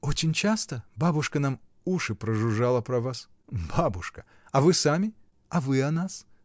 — Очень часто: бабушка нам уши прожужжала про вас. — Бабушка! А вы сами? — А вы о нас?